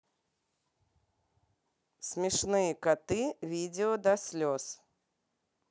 смешные коты видео до слез